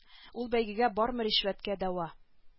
Ул бәйгегә бармы ришвәткә дәва